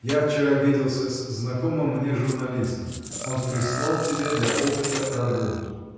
– я вчера виделся с знакомым мне журналистом он прислал тебе для опыта работу.